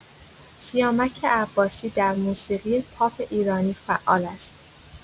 سیامک عباسی در موسیقی پاپ ایرانی فعال است.